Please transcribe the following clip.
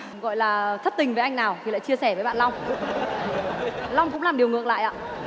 gọi là thất tình với anh nào thì lại chia sẻ với bạn long long cũng làm điều ngược lại ạ